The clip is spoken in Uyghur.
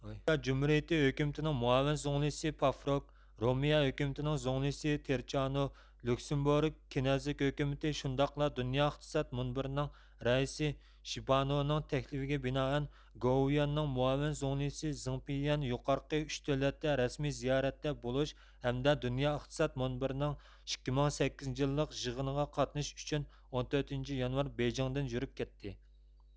پولشا جۇمھۇرىيىتى ھۆكۈمىتىنىڭ مۇئاۋىن زۇڭلىسى پافروك رومىيە ھۆكۈمىتىنىڭ زۇڭلىسى تېرچانۇ ليۇكسېمبۇرگ كىنەزلىك ھۆكۈمىتى شۇنداقلا دۇنيا ئىقتىساد مۈنبىرىنىڭ رەئىسى شىۋابۇنىڭ تەكلىپىگە بىنائەن گوۋۇيۈەنىڭ مۇئاۋىن زۇڭلىسى زېڭ پىييەن يۇقارقى ئۈچ دۆلەتتە رەسمىي زىيارەتتە بولۇش ھەمدە دۇنيا ئىقتىساد مۇنبىرىنىڭ ئىككى مىڭ سەككىزىنچى يىللىق يىغىنىغا قاتنىشىش ئۈچۈن ئون تۆتىنچى يانۋار بېيجىڭدىن يۈرۈپ كەتتى